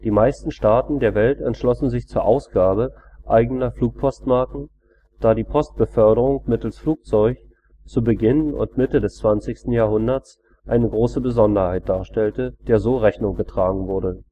meisten Staaten der Welt entschlossen sich zur Ausgabe eigener Flugpostmarken, da die Postbeförderung mittels Flugzeug zu Beginn und Mitte des 20. Jahrhunderts eine große Besonderheit darstellte, der so Rechnung getragen wurde